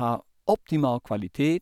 ha optimal kvalitet.